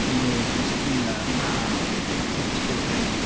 i wneud Sabrina a Hocus Pocus.